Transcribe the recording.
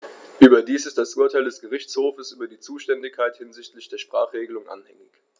Überdies ist das Urteil des Gerichtshofes über die Zuständigkeit hinsichtlich der Sprachenregelung anhängig.